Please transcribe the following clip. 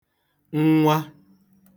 nnwa